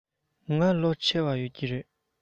ང ལོ ཆེ བ ཡོད ཀྱི རེད